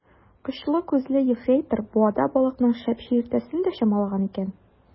Очлы күзле ефрейтор буада балыкның шәп чиертәсен дә чамалаган икән.